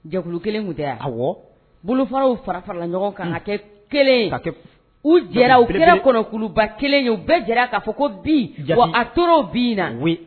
Jakulu kelen tun tɛ bolofaraww fara farala ɲɔgɔn kan ka kɛ u jɛra kɔnɔkuluba kelen ye u bɛɛ jɛra'a fɔ ko bi a tora bin na